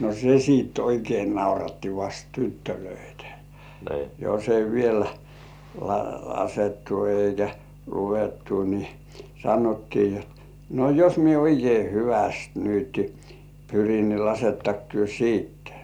no se sitten oikein nauratti vasta tyttöjä jos ei vielä laskettu eikä luvattu niin sanottiin niin jotta no jos minä oikein hyvästi nyt pyrin niin lasketteko te sitten